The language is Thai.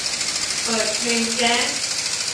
เปิดเพลงแจ๊ส